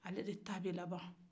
ale de ta bɛ la ban